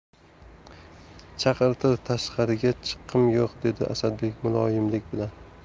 chaqirtir tashqariga chiqqim yo'q dedi asadbek muloyimlik bilan